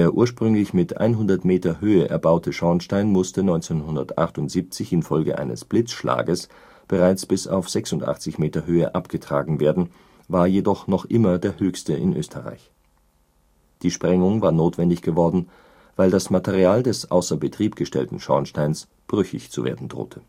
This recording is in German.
ursprünglich mit 100 m Höhe erbaute Schornstein musste 1978 infolge eines Blitzschalges bereits bis auf 86 m Höhe abgetragen werden, war jedoch noch immer der höchste in Österreich. Die Sprengung war notwendig geworden, weil das Material des außer Betrieb gestellten Schornsteins brüchig zu werden drohte